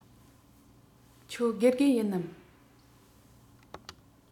ཁྱོད དགེ རྒན ཡིན ནམ